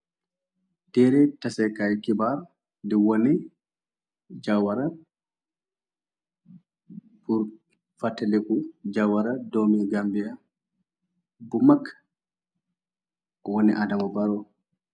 Teere tasekaayu kibaar di wone jawara fateleku jawara doomi gambia bu mag wone adama baro.